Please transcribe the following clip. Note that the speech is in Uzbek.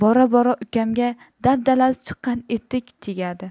bora bora ukamga dabdalasi chiqqan etik tegadi